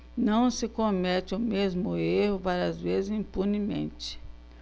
não se comete o mesmo erro várias vezes impunemente